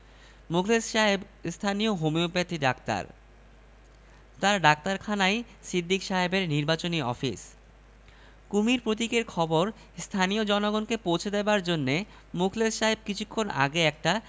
মুখলেস সাহেব স্থানীয় homeopath doctor তাঁর ডাক্তারখানাই সিদ্দিক সাহেবের নির্বাচনী অফিস কুমীর প্রতীকের খবর স্থানীয় জনগণকে পৌঁছে দেবার জন্যে মুখলেস সাহেব কিছুক্ষণ আগে একটা